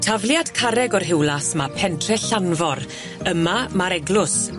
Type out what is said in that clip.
Tafliad carreg o Rhiwlas ma' pentre Llanfor yma ma'r eglws